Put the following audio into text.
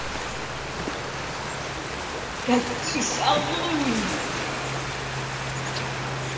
какие шалуньи